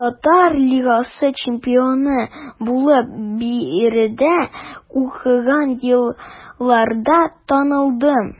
Татар лигасы чемпионы булып биредә укыган елларда танылдым.